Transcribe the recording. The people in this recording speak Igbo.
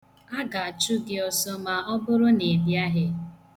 A ga-achụ gị ma ọ bụrụ na ị bịaghị.